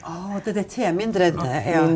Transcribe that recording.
å DDT mindre ja.